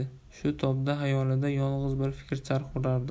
shu topda xayolida yolg'iz bir fikr charx urardi